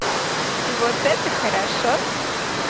вот это хорошо